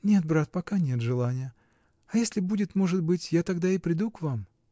— Нет, брат, пока нет желания, а если будет, может быть, я тогда и приду к вам.